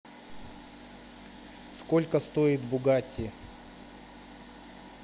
сколько стоит бугатти